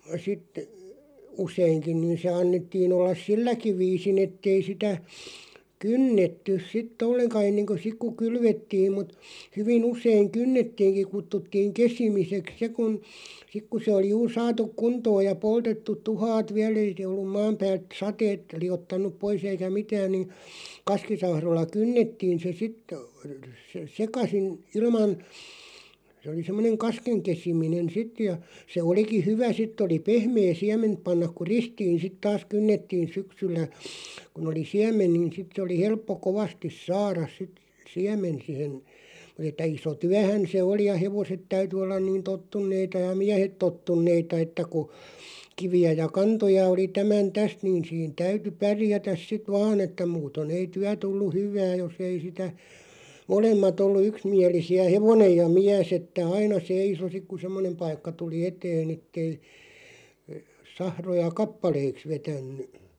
sitten useinkin niin se annettiin olla silläkin viisin että ei sitä kynnetty sitten ollenkaan ennen kuin sitten kun kylvettiin mutta hyvin usein kynnettiinkin kutsuttiin kesimiseksi se kun sitten kun se oli juuri saatu kuntoon ja poltettu tuhkat vielä ei se ollut maan päältä sateet liottanut pois eikä mitään niin kaskisahroilla kynnettiin se -- sekaisin ilman se oli semmoinen kasken kesiminen sitten ja se olikin hyvä sitten oli pehmeä siementä panna kun ristiin sitten taas kynnettiin syksyllä kun oli siemen niin sitten se oli helppo kovasti saada sitten siemen siihen mutta että iso työhän se oli ja hevoset täytyi olla niin tottuneita ja miehet tottuneita että kun kiviä ja kantoja oli tämän tästä niin siinä täytyi pärjätä sitten vain että muuten ei työ tullut hyvää jos ei sitä molemmat ollut yksimielisiä hevonen ja mies että aina seisoi sitten kun semmoinen paikka tuli eteen että ei sahroja kappaleiksi vetänyt